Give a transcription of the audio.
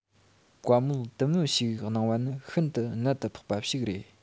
བཀའ མོལ དུམ བུ ཞིག གནང བ ནི ཤིན ཏུ གནད དུ འཕིགས པ ཞིག རེད